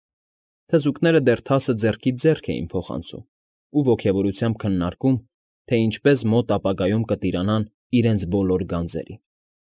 Թզուկները դեռ թասը ձեռքից ձեռք էին փոխանցում ու ոգևորությամբ քննարկում, թե ինչպես մոտ ապագայում կտիրանան իրենց բոլոր գանձերին։